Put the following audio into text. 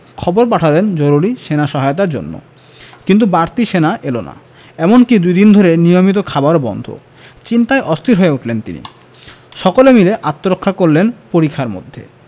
খবর পাঠালেন জরুরি সেনা সহায়তার জন্য কিন্তু বাড়তি সেনা এলো না এমনকি দুই দিন ধরে নিয়মিত খাবারও বন্ধ চিন্তায় অস্থির হয়ে উঠলেন তিনি সকলে মিলে আত্মরক্ষা করলেন পরিখার মধ্যে